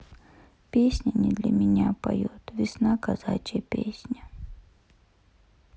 песня не для меня поет весна казачья песня